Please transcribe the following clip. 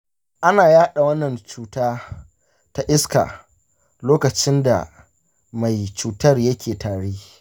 ana yaɗa wannan cuta ta iska lokacin da mai cutar yake tari.